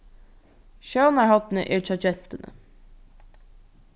sjónarhornið er hjá gentuni